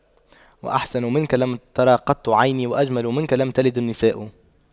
وأحسن منك لم تر قط عيني وأجمل منك لم تلد النساء